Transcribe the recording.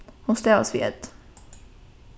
hon stavast við ð